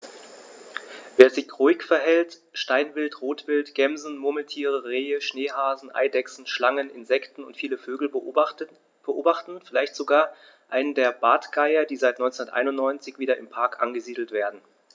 Wer sich ruhig verhält, kann Steinwild, Rotwild, Gämsen, Murmeltiere, Rehe, Schneehasen, Eidechsen, Schlangen, Insekten und viele Vögel beobachten, vielleicht sogar einen der Bartgeier, die seit 1991 wieder im Park angesiedelt werden.